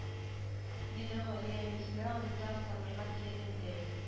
Диде галия әнисе алдында акланырга теләгәндәй